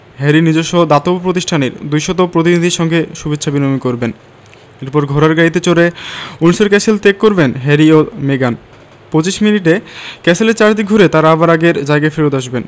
হ্যারির নিজস্ব দাতব্য প্রতিষ্ঠানের ২০০ প্রতিনিধির সঙ্গে শুভেচ্ছা বিনিময় করবেন এরপর ঘোড়ার গাড়িতে চড়ে উইন্ডসর ক্যাসেল ত্যাগ করবেন হ্যারি ও মেগান ২৫ মিনিটে ক্যাসেলের চারদিক ঘুরে তাঁরা আবার আগের জায়গায় ফেরত আসবেন